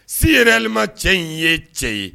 Selilima cɛ in ye cɛ ye